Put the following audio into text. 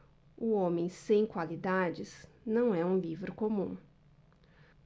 o homem sem qualidades não é um livro comum